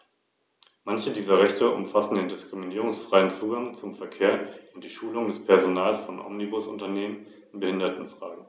Dabei darf es nicht angehen, dass - wie es anscheinend die Absicht der Mitgliedsstaaten ist - Europa überhaupt nicht mehr in Erscheinung tritt.